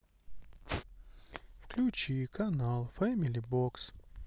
включи канал фэмили бокс